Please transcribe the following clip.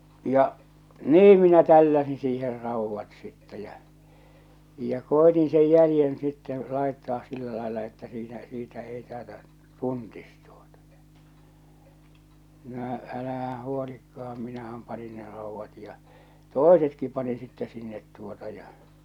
ja niin minä tälläsin siihen raudat sitten ja ja koetin sen jäljen sitten laittaa sillä lailla että siinä siitä ei taideta tuntisi tuota no no älähän huolikaan minähän panin ne raudat ja toisetkin panin sitten sinne tuota ja